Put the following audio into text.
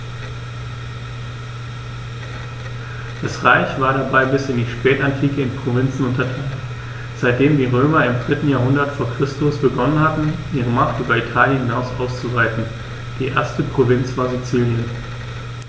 Das Reich war dabei bis in die Spätantike in Provinzen unterteilt, seitdem die Römer im 3. Jahrhundert vor Christus begonnen hatten, ihre Macht über Italien hinaus auszuweiten (die erste Provinz war Sizilien).